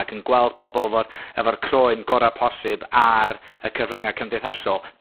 ac yn gweld pobol 'fo'r efo'r croen gora' posib ar y cyfrynga' cymdeithasol,